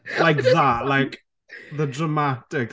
like that, like, the dramatics.